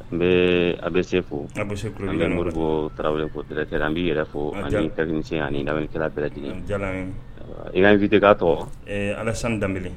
N bɛ a bɛ se ko bɛ se an bɛ mori ko tarawele kote n b'i yɛrɛ fɔ an ka ani lamɛnini kɛraɛrɛ lajɛlen ifite k'a tɔ ala sanu danbe